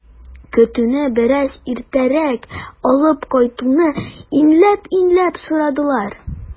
Көтүне бераз иртәрәк алып кайтуны инәлеп-инәлеп сорадылар.